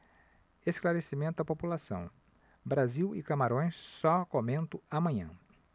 esclarecimento à população brasil e camarões só comento amanhã